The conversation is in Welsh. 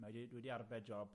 'Nai deud dwi 'di arbed job.